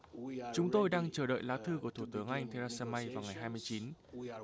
chúng tôi đang chờ đợi lá thư của thủ tướng anh thê rê xa mây vào ngày hai mươi chín